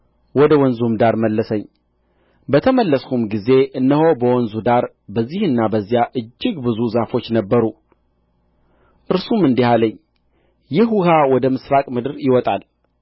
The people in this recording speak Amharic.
ወደ ወንዙም ዳር መለሰኝ በተመለስሁም ጊዜ እነሆ በወንዙ ዳር በዚህና በዚያ እጅግ ብዙ ዛፎች ነበሩ እርሱም እንዲህ አለኝ ይህ ውኃ ወደ ምሥራቅ ምድር ይወጣል